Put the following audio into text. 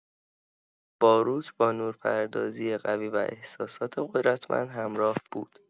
باروک با نورپردازی قوی و احساسات قدرتمند همراه بود.